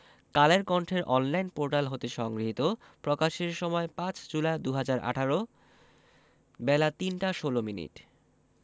কালের কন্ঠের online portal হতে সংগৃহীত প্রকাশের সময় ৫ জুলাই ২০১৮ বেলা ৩টা ১৬ মিনিট